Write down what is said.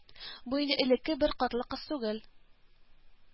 Бу инде элекке беркатлы кыз түгел